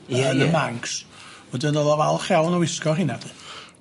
Ie ie. Yn y Manx. Wedyn o'dd o falch iawn yn wisgo rheina 'lly.